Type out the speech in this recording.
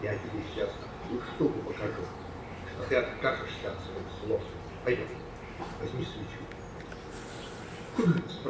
Я тебе сейчас такую штуку покажу, что ты откажешься от своих слов. Пойдем. Возьми свечу. - Куда это?